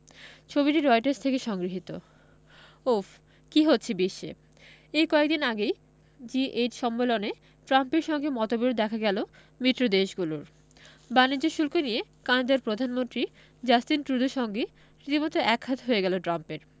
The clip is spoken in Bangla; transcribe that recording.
ছবিটি রয়টার্স থেকে সংগৃহীত উফ্ কী হচ্ছে বিশ্বে এই কয়েক দিন আগেই জি এইট সম্মেলনে ট্রাম্পের সঙ্গে মতবিরোধ দেখা গেল মিত্রদেশগুলোর বাণিজ্য শুল্ক নিয়ে কানাডার প্রধানমন্ত্রী জাস্টিন ট্রুডোর সঙ্গে রীতিমতো একহাত হয়ে যায় ট্রাম্পের